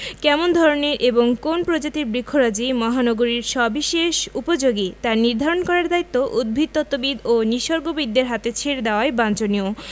কেমন ধরনের এবং কোন্ প্রজাতির বৃক্ষরাজি মহানগরীর সবিশেষ উপযোগী তা নির্ধারণ করার দায়িত্ব উদ্ভিদতত্ত্ববিদ ও নিসর্গবিদদের হাতে ছেড়ে দেয়াই বাঞ্ছনীয়